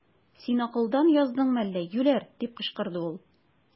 Син акылдан яздыңмы әллә, юләр! - дип кычкырды ул.